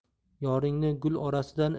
yoringni gul orasidan